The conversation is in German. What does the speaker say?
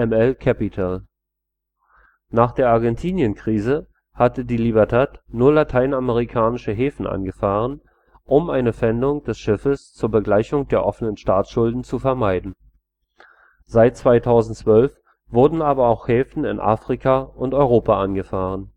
NML Capital. Nach der Argentinien-Krise hatte die Libertad nur lateinamerikanisch Häfen angefahren, um eine Pfändung des Schiffs zur Begleichung der offenen Staatsschulden zu vermeiden. Seit 2012 wurden aber auch Häfen in Afrika und Europa angefahren